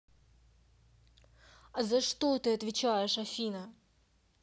а за что ты отвечаешь афина